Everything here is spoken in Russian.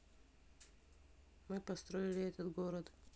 мы построили этот город